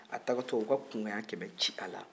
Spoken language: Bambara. a taatɔ u ka kunkan ɲɛ kɛmɛ ci a la